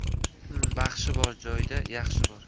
baxshi bor joyda yaxshi bor